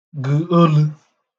gə̀ olə̄